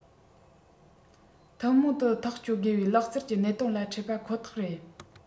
ཐུན མོང དུ ཐག གཅོད དགོས པའི ལག རྩལ གྱི གནད དོན ལ འཕྲད པ ཁོ ཐག རེད